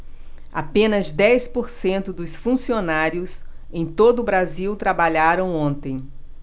apenas dez por cento dos funcionários em todo brasil trabalharam ontem